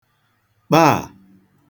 kpaà